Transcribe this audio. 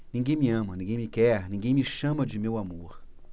ninguém me ama ninguém me quer ninguém me chama de meu amor